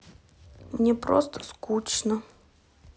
мне просто скучно